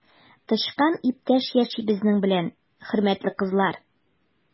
Тычкан иптәш яши безнең белән, хөрмәтле кызлар!